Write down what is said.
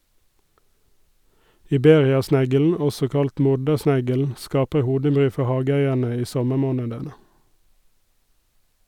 Iberiasneglen, også kalt mordersneglen, skaper hodebry for hageeierne i sommermånedene.